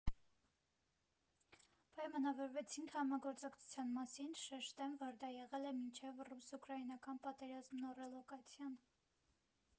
Պայմանավորվեցինք համագործակցության մասին, շեշտեմ, որ դա եղել է մինչև Ռուս֊ուկրաինական պատերազմն ու ռելոկացիան։